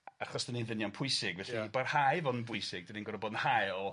Achos 'dan ni'n ddynion pwysig felly... Ia. ...i barhau i fo' yn bwysig 'dan ni'n gor'o' bod yn hael.